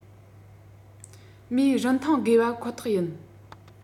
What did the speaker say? མིའི རིན ཐང དགོས པ ཁོ ཐག ཡིན